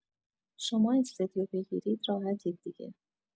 شما استودیو بگیرید راحتید دیگه